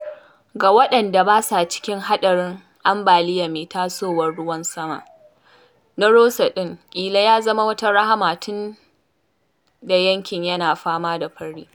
Ga waɗanda ba sa cikin haɗarin ambaliyar mai tasowar, ruwan saman na Rosa ɗin ƙila ya zama wata rahama tun da yankin yana fama da fari.